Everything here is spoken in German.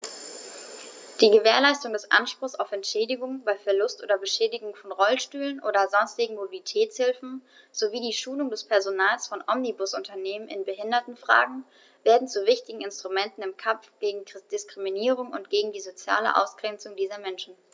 Die Gewährleistung des Anspruchs auf Entschädigung bei Verlust oder Beschädigung von Rollstühlen oder sonstigen Mobilitätshilfen sowie die Schulung des Personals von Omnibusunternehmen in Behindertenfragen werden zu wichtigen Instrumenten im Kampf gegen Diskriminierung und gegen die soziale Ausgrenzung dieser Menschen.